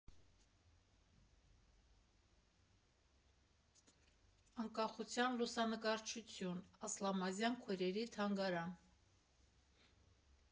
ԱՆԿԱԽՈՒԹՅԱՆ ԼՈՒՍԱՆԿԱՐՉՈՒԹՅՈՒՆ Ասլամազյան քույրերի թանգարան։